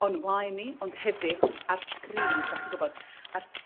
o'n mlaen i ond hefyd ar sgrîn 'dach chi'n gwbod a'r